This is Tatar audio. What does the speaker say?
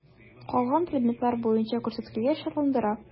Калган предметлар буенча күрсәткечләр шатландыра.